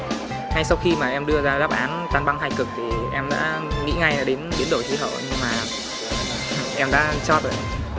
ngay sau khi mà em đưa ra đáp án tan băng hai cực thì em đã nghĩ ngay đến biến đổi khí hậu nhưng mà em đã chót rồi ạ